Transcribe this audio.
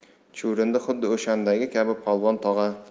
chuvrindi xuddi o'shandagi kabi polvon tog'a